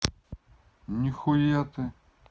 нихуя ты